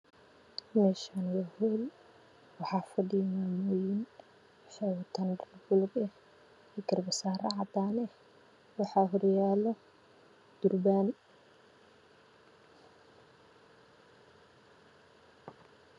Meeshaan waa hool fadhiya dhar buluug cadaan durbaan